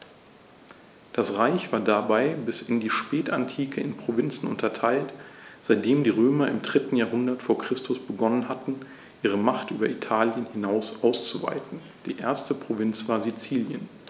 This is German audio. Das Reich war dabei bis in die Spätantike in Provinzen unterteilt, seitdem die Römer im 3. Jahrhundert vor Christus begonnen hatten, ihre Macht über Italien hinaus auszuweiten (die erste Provinz war Sizilien).